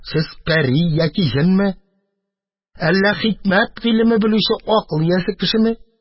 Сез пәри яки җенме, әллә хикмәт гыйлеме белүче акыл иясе кешеме?